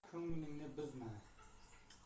umidingni uzma ko'nglingni buzma